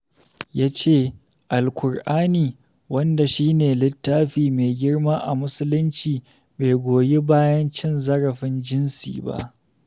Ya ce, Alkur'ani, wanda shi ne littafi mai girma a Musulunci, bai goyi bayan cin zarafin jinsi ba.